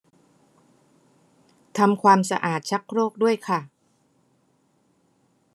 ทำความสะอาดชักโครกด้วยค่ะ